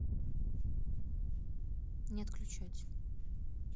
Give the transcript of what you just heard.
не отключать